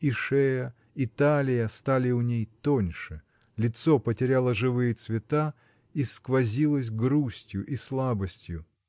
И шея, и талия стали у ней тоньше, лицо потеряло живые цвета и сквозилось грустью и слабостью.